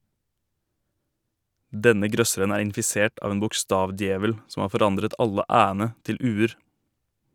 Denne grøsseren er infisert av en bokstavdjevel som har forandret alle "æ"-ene til "u"-er.